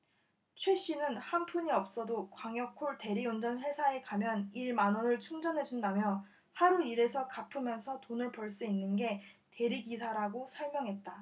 최씨는 한 푼도 없어도 광역콜 대리운전 회사에 가면 일 만원을 충전해준다며 하루 일해서 갚으면서 돈을 벌 수 있는 게 대리기사라 설명했다